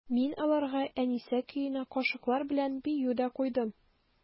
Мин аларга «Әнисә» көенә кашыклар белән бию дә куйдым.